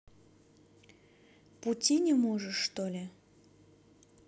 пути не можешь что ли